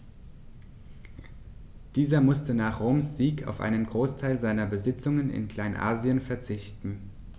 Dieser musste nach Roms Sieg auf einen Großteil seiner Besitzungen in Kleinasien verzichten.